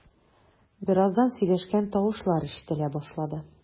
Бераздан сөйләшкән тавышлар ишетелә башлады.